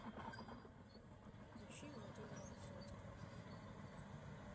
включи владимира высоцкого